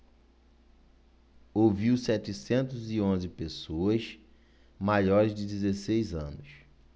ouviu setecentos e onze pessoas maiores de dezesseis anos